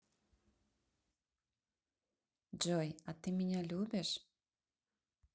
джой а ты меня любишь